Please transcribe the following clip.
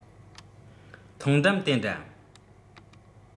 ཐང འགྲམ དེ འདྲ